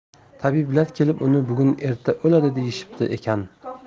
tabiblar kelib uni bugun erta o'ladi deyishibdi ekan